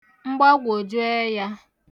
mgbagwòju ẹyā